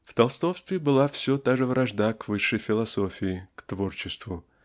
В толстовстве была все та же вражда к высшей философии к творчеству